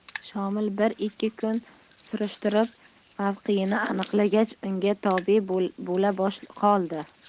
shomil bir ikki kun surishtirib mavqeini aniqlagach unga tobe bo'la qoldi